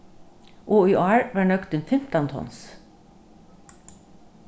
og í ár varð nøgdin fimtan tons